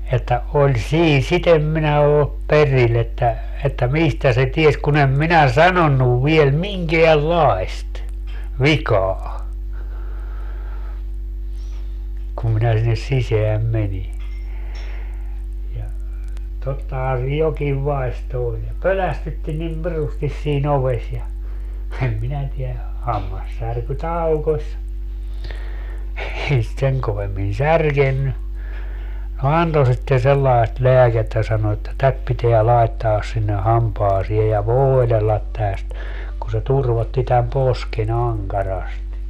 että oli siinä sitä en minä ole perillä että että mistä se tiesi kun en minä sanonut vielä minkäänlaista vikaa kun minä sinne sisään menin ja tottahan se jokin vaisto oli ja pelästytti niin pirusti siinä ovessa ja en minä tiedä hammassärky taukosi ei sitä sen kovemmin särkenyt no antoi sitten sellaista lääkettä sanoi että tätä pitää laittaa sinne hampaisiin ja voidella tästä kun se turvotti tämän posken ankarasti